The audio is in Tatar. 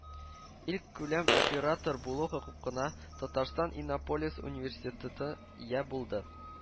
Илкүләм оператор булу хокукына татарстан иннополис университетыты ия булды